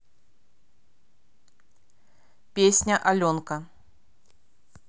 песня аленка